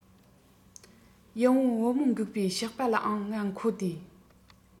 ཡིད འོང བུ མོ འགུགས པའི ཞགས པ ལའང ང མཁོ སྟེ